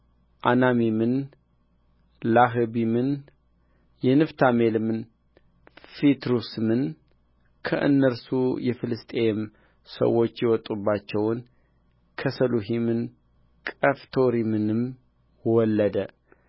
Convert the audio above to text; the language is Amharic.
ዐናሚምን ላህቢምን ነፍታሌምን ፈትሩሲምን ከእነርሱ የፍልስጥኤም ሰዎች የወጡባቸውን ከስሉሂምን ቀፍቶሪምንም ወለደ